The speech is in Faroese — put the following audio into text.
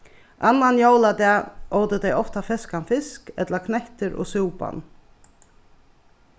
annan jóladag ótu tey ofta feskan fisk ella knettir og súpan